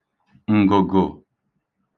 ǹgụ̀gụ̀